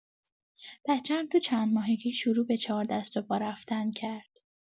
بچه‌ام تو چندماهگی شروع به چهاردست‌وپا رفتن کرد.